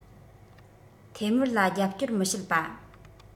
ཐའེ སྨིའར ལ རྒྱབ སྐྱོར མི བྱེད པ